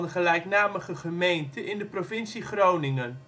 gelijknamige gemeente in de provincie Groningen